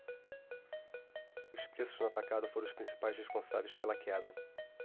os preços no atacado foram os principais responsáveis pela queda